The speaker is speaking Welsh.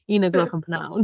Un o'r gloch yn p'nawn.